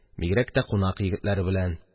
Бигрәк тә кунак егетләре белән.